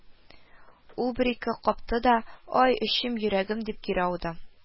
Ул бер-ике капты да, "ай эчем, йөрәгем", – дип кире ауды